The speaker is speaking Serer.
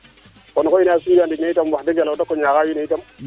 kon koy wax deg yalaah o dako ñaaxa wiin we yitam